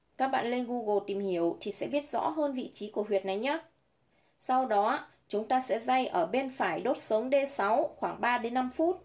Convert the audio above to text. các lên google tìm hiểu thì sẽ biết rõ hơn vị trí của huyệt này nhé sau đó chúng ta sẽ day ở bên phải đốt sống d khoảng phút